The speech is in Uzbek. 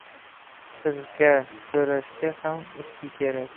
sirka so'rashga ham usul kerak